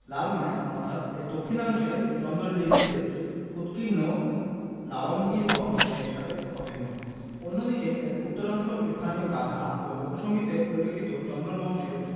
লালমাই অর্থাৎ এর দক্ষিণাংশ চন্দ্র লিপিতে উৎকীর্ণ লালম্বী বন এর সাথে অভিন্ন অন্যদিকে এর উত্তরাংশ স্থানীয় গাঁথা ও লোকসংগীতে উল্লিখিত চন্দ্রবংশের